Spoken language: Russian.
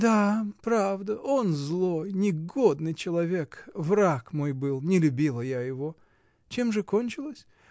— Да, правда: он злой, негодный человек, враг мой был, не любила я его! Чем же кончилось?